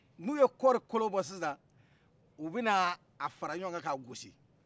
n'u ye kɔri kolobɔ sisan u bɛ n'a fara ɲɔgɔnka ka gosi